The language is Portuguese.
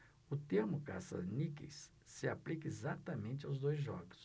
o termo caça-níqueis se aplica exatamente aos dois jogos